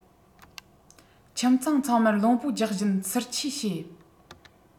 ཁྱིམ ཚང ཚང མར རླུང པོ རྒྱག བཞིན བསིལ ཆས བྱེད